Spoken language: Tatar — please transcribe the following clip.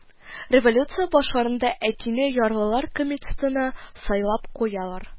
Революция башларында әтине ярлылар комитетына сайлап куялар